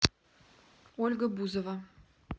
ольга бузова